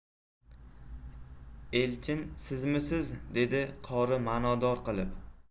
elchin sizmisiz dedi qori ma'nodor qilib